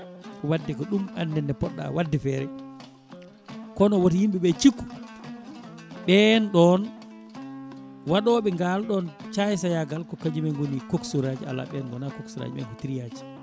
wadde ko ɗum annene poɗɗa wadde feere kono woto yimɓeɓe cikku ɓen ɗon waɗoɓe ngal ɗon caysayagal ko kañumen gooni coxeur aji ala ɓen goona coxeur aji ɓen ko truand ji